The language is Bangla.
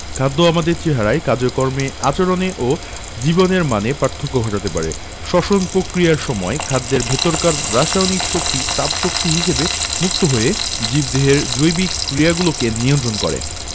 খাদ্য আমাদের চেহারায় কাজকর্মে আচরণে ও জীবনের মানে পার্থক্য ঘটাতে পারে শ্বসন ক্রিয়ার সময় খাদ্যের ভেতরকার রাসায়নিক শক্তি তাপ শক্তি হিসেবে মুক্ত হয়ে জীবদেহের জৈবিক ক্রিয়াগুলোকে নিয়ন্ত্রন করে